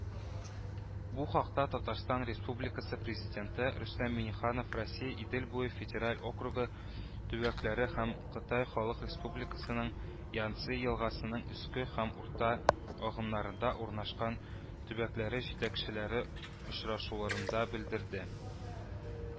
Бу хакта Татарстан Республикасы Президенты Рөстәм Миңнеханов Россия Идел буе федераль округы төбәкләре һәм Кытай Халык Республикасының Янцзы елгасының өске һәм урта агымнарында урнашкан төбәкләре җитәкчеләре очрашуларында белдерде